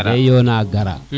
de yona gara